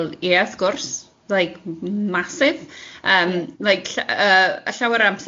wel ie wrth gwrs, like massive, yym like lla- yy llawer